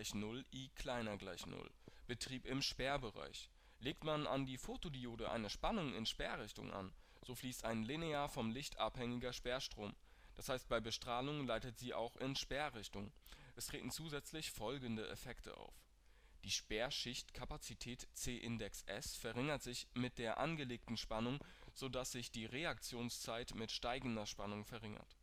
0, I ≤ 0, Betrieb im Sperrbereich Legt man an die Photodiode eine Spannung in Sperrrichtung an, so fließt ein linear vom Licht abhängiger Sperrstrom, d. h. bei Bestrahlung leitet sie auch in Sperrrichtung. Es treten zusätzlich folgende Effekte auf: die Sperrschichtkapazität CS verringert sich mit der angelegten Spannung, so dass sich die Reaktionszeit mit steigender Spannung verringert